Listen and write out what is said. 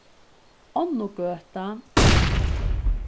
onnugøta